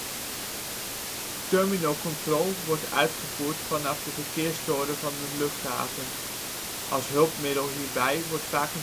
Terminal control wordt uitgevoerd vanaf de verkeerstoren van een luchthaven. Als hulpmiddel hierbij wordt vaak